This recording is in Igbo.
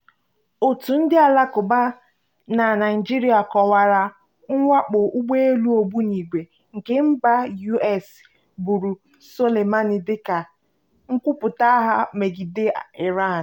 Òtù ndị Alakụba na Naịjirịa kọwara mwakpo ụgbọelu ogbunigwe nke mba US gburu Soleimani dị ka "nkwupụta agha megide Iran".